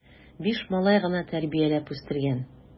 Биш малай гына тәрбияләп үстергән!